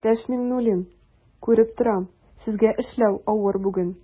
Иптәш Миңнуллин, күреп торам, сезгә эшләү авыр бүген.